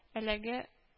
Эләгә